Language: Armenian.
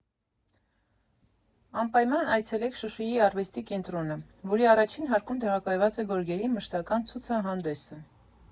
Անպայման այցելեք Շուշիի արվեստի կենտրոնը, որի առաջին հարկում տեղակայված է գորգերի մշտական ցուցահանդեսը։